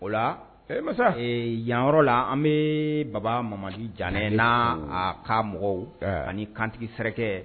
O la . Ɛɛ Masahi yan yɔrɔ la an bii Baba Mamadi Janɛ na a ka mɔgɔw ɛɛ ani kantigi sɛrɛkɛ